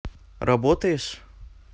работаешь